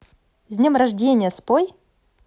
с днем рождения спой